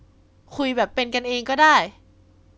คุยแบบเป็นกันเองก็ได้